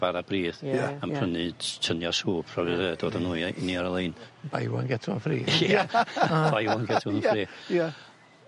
...bara brith. Ia ia. Yn prynu t- tunia sŵp dod â n'w ie- i ni ar y lein. Buy one get one free Ia. Buy one get one free. Ia ia.